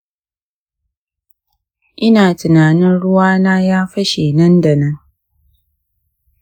ina tinanin ruwa na ya fashe nan da nan.